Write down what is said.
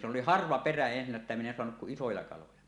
se oli harva perä ensinnä että minä en saanut kuin isoja kaloja